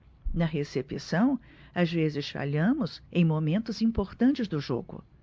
na recepção às vezes falhamos em momentos importantes do jogo